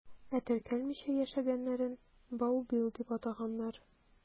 Ә теркәлмичә яшәгәннәрен «баубил» дип атаганнар.